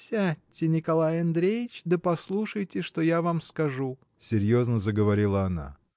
— Сядьте, Николай Андреич, да послушайте, что я вам скажу, — серьезно заговорила она.